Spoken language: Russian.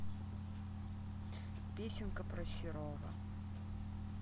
песенка про серова